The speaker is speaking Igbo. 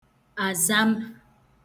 àzamạ